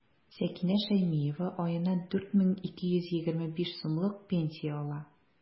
Сәкинә Шәймиева аена 4 мең 225 сумлык пенсия ала.